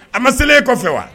A ma selen kɔfɛ wa